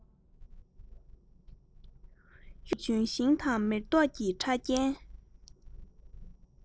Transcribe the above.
གཡུ ཡི ལྗོན ཤིང དང མེ ཏོག གི ཕྲ རྒྱན